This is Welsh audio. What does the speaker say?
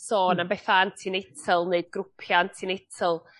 sôn am betha anti-natal neu grwpia' anti-natal